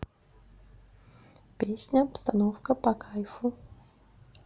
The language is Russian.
песня обстановка по кайфу